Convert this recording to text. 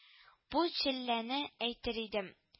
—бу челләне әйтер идем